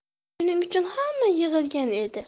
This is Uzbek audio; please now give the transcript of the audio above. shuning uchun hamma yig'ilgan edi